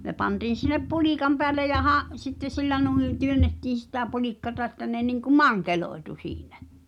ne pantiin sinne pulikan päälle ja - sitten sillä noin työnnettiin sitä pulikkaa että ne niin kuin mankeloitui siinä